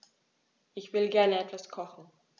Ich will gerne etwas kochen.